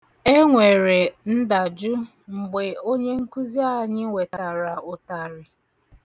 E nwere ndajụ mgbe onyenkuzi anyị wetara ụtarị.